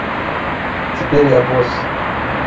теперь я босс